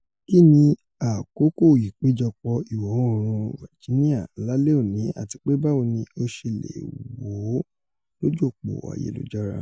Kínni àkókò ìpéjọpọ̀ Ìwọ-oòrùn Virginia lálẹ́ òní àtipé báwo ni o ṣe leè wò ó lójú-òpó ayelujara?